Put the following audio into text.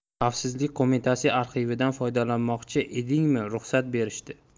xavfsizlik qo'mitasi arxividan foydalanmoqchi edingmi ruxsat berishdi